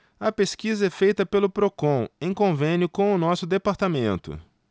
a pesquisa é feita pelo procon em convênio com o diese